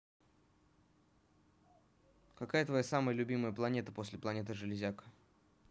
какая твоя самая любимая планета после планеты железяка